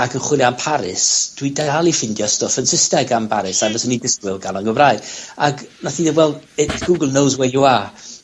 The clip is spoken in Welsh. ag yn chwilio am Paris dwi dal i ffeindio stwff yn Sysneg am Baris a fyswn i disgwyl ga'l o'n Gymraeg, ag, nath hi ddeud wel, it, Google knows where you are.